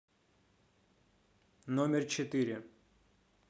номер четыре